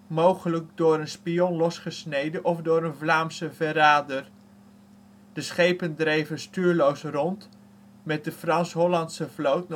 mogelijk door een spion losgesneden of door een Vlaamse verrader. De schepen dreven stuurloos rond, met de Frans-Hollandse vloot